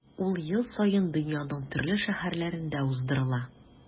Ул ел саен дөньяның төрле шәһәрләрендә уздырыла.